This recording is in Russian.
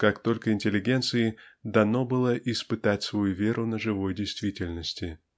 как только интеллигенции дано было испытать свою веру на живой действительности.